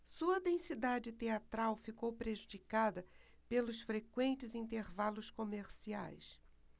sua densidade teatral ficou prejudicada pelos frequentes intervalos comerciais